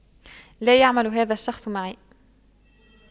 لا يعمل هذا الشخص معي